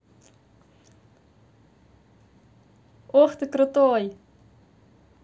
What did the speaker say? ох ты крутой